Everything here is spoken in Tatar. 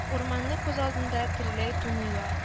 Урманны күз алдында тереләй туныйлар